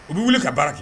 U bɛ wuli ka baara kɛ